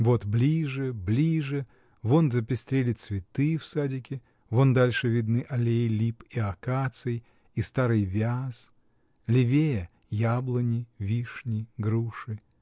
Вот ближе, ближе: вон запестрели цветы в садике, вон дальше видны аллеи лип и акаций и старый вяз, левее — яблони, вишни, груши.